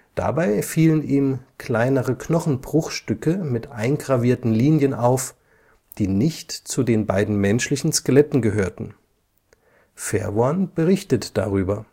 Dabei fielen ihm kleine Knochenbruchstücke mit eingravierten Linien auf, die nicht zu den beiden menschlichen Skeletten gehörten. Verworn berichtet darüber